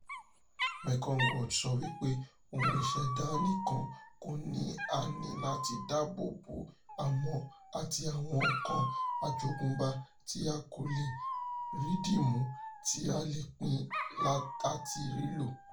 Mekong Watch sọ wípé ohun ìṣẹ̀dá nìkan kọ́ ni a ní láti dáàbò bò àmọ́ àti àwọn "nǹkan àjogúnbá tí-a-kò-le-è-rí-dìmú" tí a lè pín àti rí lò.